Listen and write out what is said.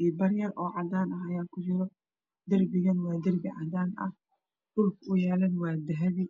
iyo baryan oo cadanah aya kujiro darbiganawadarbi .cadan ah furka uyalo wadahabi